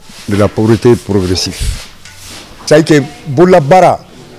N porote poroprisi cake bolabaara